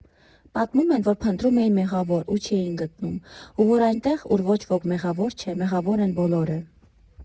Պատմում են, որ փնտրում էին մեղավոր ու չէին գտնում, ու որ այնտեղ, ուր ոչ ոք մեղավոր չէ, մեղավոր են բոլորը…